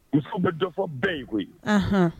Muso bɛ dɔfɔ bɛɛ ye koyi yen